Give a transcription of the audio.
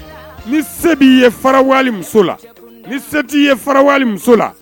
Ni se b'i ye fara muso la ni se t'i ye fara muso la